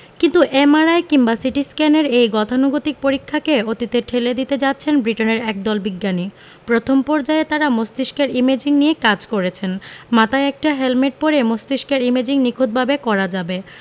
কিন্তু এমআরআই কিংবা সিটিস্ক্যানের এই গতানুগতিক পরীক্ষাকে অতীতে ঠেলে দিতে যাচ্ছেন ব্রিটেনের একদল বিজ্ঞানী প্রথম পর্যায়ে তারা মস্তিষ্কের ইমেজিং নিয়ে কাজ করেছেন মাথায় একটা হেলমেট পরে মস্তিষ্কের ইমেজিং নিখুঁতভাবে করা যাবে